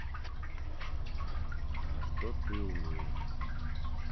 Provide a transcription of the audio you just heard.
а что ты умеешь